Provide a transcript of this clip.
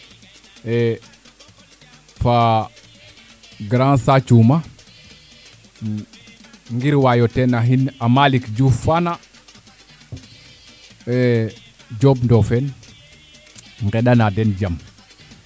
fa grand Sathiouma ngir wayo tenaxin a Malick Diouf faana Diomb Ndofene ngenda na den jam iyo kam a cang taxa la ka leye tig no kiin e ka simel e waasi